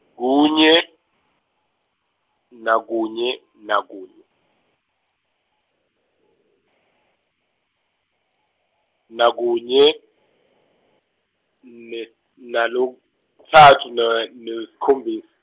kunye, nakunye , nakunye, nakunye, ne, nalokutsatfu ne, nesikhombisa.